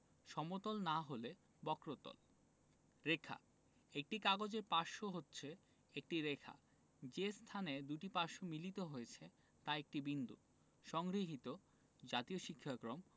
সমতল না হলে বক্রতল রেখা একটি কাগজের পার্শ্ব হচ্ছে একটি রেখা যে স্থানে দুটি পার্শ্ব মিলিত হয়েছে তা একটি বিন্দু সংগৃহীত জাতীয় শিক্ষাক্রম